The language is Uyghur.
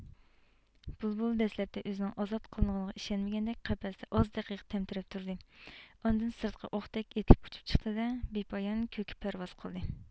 بۇلبۇل دەسلەپتە ئۆزىنىڭ ئازاد قىلىنغىنىغا ئىشەنمىگەندەك قەپەستە ئاز دەقىقە تەمتىرەپ تۇردى ئاندىن سىرتقا ئوقتەك ئېتىلىپ ئۇچۇپ چىقتى دە بىپايان كۆككە پەرۋاز قىلدى